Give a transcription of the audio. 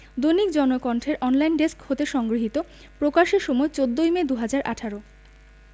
দৈনিক জনকণ্ঠের online desk হতে সংগৃহীত প্রকাশের সময় ১৪ই মে ২০১৮